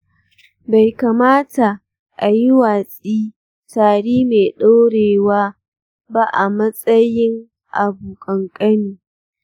bai kamata a yi watsi tari mai ɗorewa ba a matsayin abu ƙanƙani.